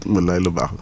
wallaay lu baax la